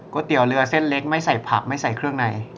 ก๋วยเตี๋ยวเรือเส้นเล็กไม่ใส่ผักไม่ใส่เครื่องใน